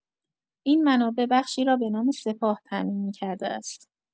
این منابع، بخشی را به نام سپاه تامین می‌کرده است.